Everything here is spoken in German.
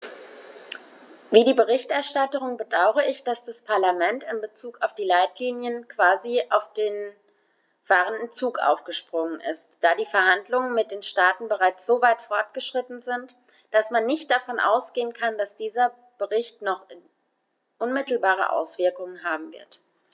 Wie die Berichterstatterin bedaure ich, dass das Parlament in bezug auf die Leitlinien quasi auf den fahrenden Zug aufgesprungen ist, da die Verhandlungen mit den Staaten bereits so weit fortgeschritten sind, dass man nicht davon ausgehen kann, dass dieser Bericht noch unmittelbare Auswirkungen haben wird.